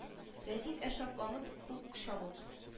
Рәзин ә шатланып кул чабып